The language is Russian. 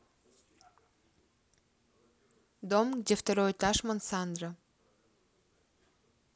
дом где второй этаж мансандра